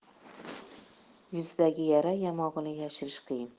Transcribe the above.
yuzdagi yara yamog'ini yashirish qiyin